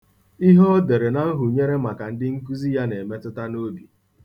Ihe o dere na nhunyere maka ndị nkụzi ya na-emetụta n'obi.